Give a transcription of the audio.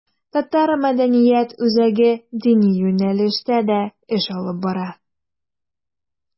Татар мәдәният үзәге дини юнәлештә дә эш алып бара.